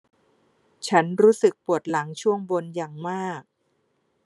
ฉันรู้สึกปวดหลังช่วงบนอย่างมาก